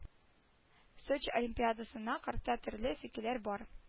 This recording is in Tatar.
Сочи олимпиадасына карта төрле фикерләр бар